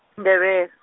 Ndebe- .